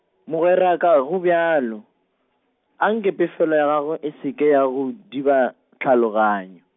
mogweraka gobjalo, anke pefelo ya gago e se ke ya go diba, tlhaloganyo.